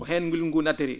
ko heen ngilngu ngu naattiri